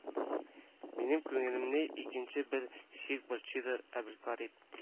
Минем күңелемне икенче бер шик борчыйдыр абелкарип